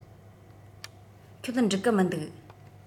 ཁྱོད འགྲིག གི མི འདུག